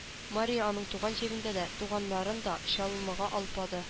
Мария аның туган җирен дә, туганнарын да чалымга алмады.